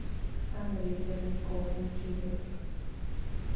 андрей черников мичуринск